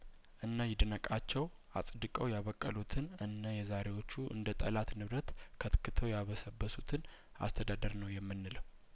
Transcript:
እነ ይድነቃቸው አጽድቀው ያበቀሉትን እነ የዛሬዎቹ እንደጠላት ንብረት ከትክተው ያበሰበሱትን አስተዳደር ነው የምን ለው